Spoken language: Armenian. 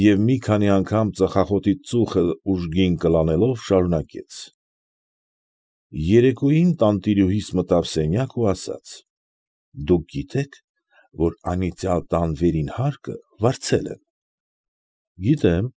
Եվ, մի քանի անգամ ծխախոտի ծուխը ուժգին կլանելով, շարունակեց. ֊ Երեկոյին տանտիրուհիս մտավ սենյակս ու ասաց։ ֊ Դուք գիտե՞ք, որ անիծյսլ տան վերին հարկը վարձել են։ ֊ Գիտեմ։